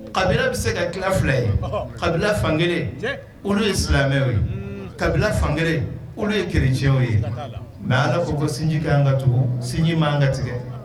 Kabil bɛ se ka tila 2 ye: kabila fankelen olu ye silamɛw ye, kabila fankelen olu ye kɛrcɛnw ye nka allah ' ko sinji ka kan ka tugu, sinji ma kan ka tigɛ.